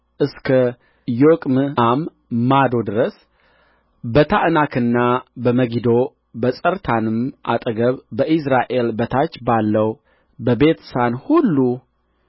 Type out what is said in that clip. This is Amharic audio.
እስከ አቤልምሖላና እስከ ዮቅምዓም ማዶ ድረስ በታዕናክና በመጊዶ በጸርታንም አጠገብ በኢይዝራኤል በታች ባለው በቤትሳን ሁሉ